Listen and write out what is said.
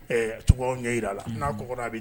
Ɛɛ a be cogoyaw ɲɛ yir'a la unhun n'a kɔkɔnɔ a be